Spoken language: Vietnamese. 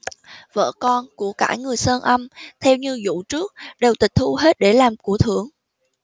vợ con của cải người sơn âm theo như dụ trước đều tịch thu hết để làm của thưởng